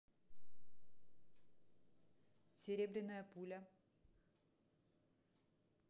серебряная пуля